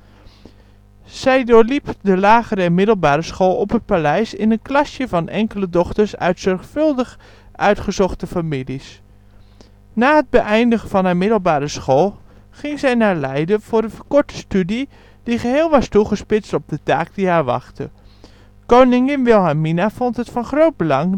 Zij doorliep de lagere en middelbare school op het paleis, in een klasje van enkele dochters uit zorgvuldig uitgezochte families. Na het beëindigen van haar middelbare school ging zij naar Leiden, voor een verkorte studie, die geheel was toegespitst op de taak die haar wachtte. Koningin Wilhelmina vond het van groot belang